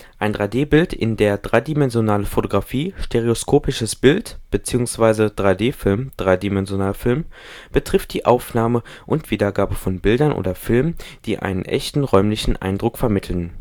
Ein 3-D-Bild in der dreidimensionale Fotografie, stereoskopisches Bild beziehungsweise 3D-Film, dreidimensionaler Film: Betrifft die Aufnahme und Wiedergabe von Bildern oder Filmen, die einen echten räumlichen Eindruck vermitteln